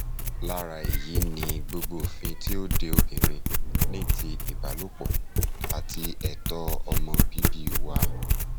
Lára èyí ni gbogbo òfin tí ó de obìnrin ní ti ìbálòpọ̀ àti ẹ̀tọ́ ọmọ bíbí wà.